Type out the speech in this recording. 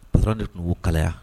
patrol de tun bɛ kɛ kalaya.